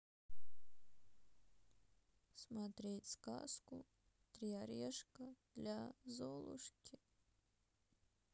смотреть сказку три орешка для золушки